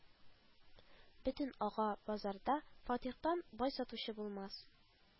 Бөтен Ага-базарда Фатихтан бай сатучы булмас